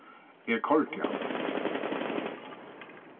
eg koyrdi hann